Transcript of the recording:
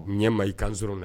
Ɲɛ ma i kansɔrɔ na